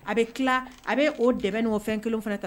A bɛ tila a bɛ oo dɛ n ɲɔgɔnfɛn kelen fana tan